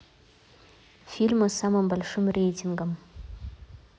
фильмы с самым большим рейтингом